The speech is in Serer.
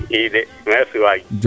ide merci waay